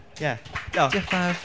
Ie diolch...Diolch yn fawr.